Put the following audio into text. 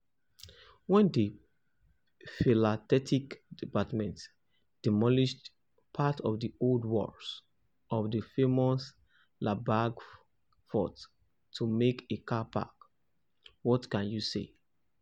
When the philatelic department demolished part of the old walls of the famous Lalbagh Fort to make a car park, what can you say?